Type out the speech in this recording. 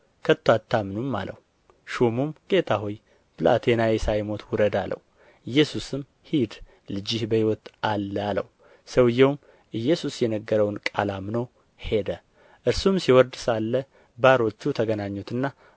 ከቶ አታምኑም አለው ሹሙም ጌታ ሆይ ብላቴናዬ ሳይሞት ውረድ አለው ኢየሱስም ሂድ ልጅህ በሕይወት አለ አለው ሰውዬውም ኢየሱስ የነገረውን ቃል አምኖ ሄደ እርሱም ሲወርድ ሳለ ባሮቹ ተገናኙትና